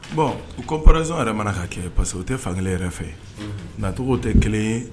Bon u comparaison yɛrɛ mana ka kɛ parce que u tɛ fan kelen yɛrɛ fɛ nacogow tɛ kelen ye